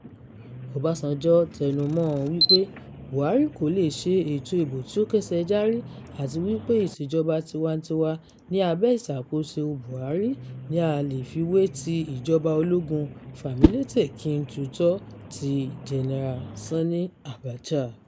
Ọbásanjọ́ tẹnu mọ́ ọn wípé Buhari kò leè "ṣe ètò ìbò tí ó kẹ́sẹjárí", àti wípé ìsèjọba tiwantiwa ní abẹ́ ìṣàkóso Buhari ni a lè fi wé tí ìjọba ológun fàmílétè-kí-n-tutọ́ọ ti Gen. Sani Abacha.